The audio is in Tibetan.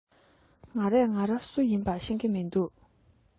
ང རས ང ར སུ ཡིན པ ཤེས གི མི འདུག